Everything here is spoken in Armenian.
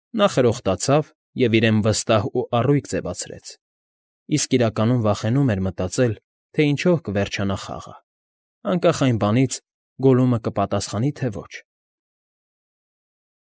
Նա խրոխտացավ և իրեն վստահ ու առույգ ձևացրեց, իսկ իրականում վախենում էր մտածել, թե ինչով կվերջանա խաղը, անկախ այն բանից՝ Գոլլումը կպատասխանի, թե ոչ։ ֊